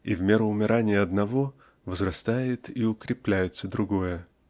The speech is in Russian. и в меру умирания одного возрастает и укрепляется другое.